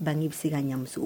Bangue bɛ se ka ɲan muso